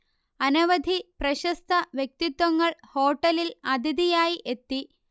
അനവധി പ്രശസ്ത വ്യക്തിത്വങ്ങൾ ഹോട്ടലിൽ അതിഥി യാ യി എത്തി